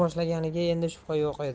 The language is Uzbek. boshlanganiga endi shubha yo'q edi